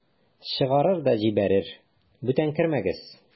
Чыгарыр да җибәрер: "Бүтән кермәгез!"